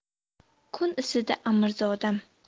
kun isidi amirzodam